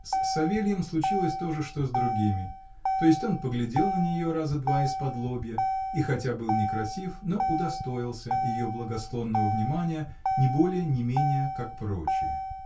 С Савельем случилось то же, что с другими: то есть он поглядел на нее раза два исподлобья и хотя был некрасив, но удостоился ее благосклонного внимания, ни более ни менее, как прочие.